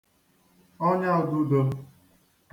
ọnyā ūdūdō